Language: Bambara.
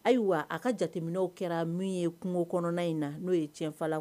Ayiwa a ka jateminɛw kɛra min ye kugokɔnɔna in na n'o ye Tienfala